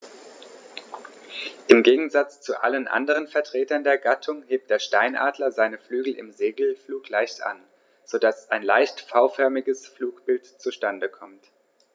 Im Gegensatz zu allen anderen Vertretern der Gattung hebt der Steinadler seine Flügel im Segelflug leicht an, so dass ein leicht V-förmiges Flugbild zustande kommt.